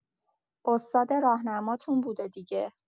استاد راهنماتون بوده دیگه؟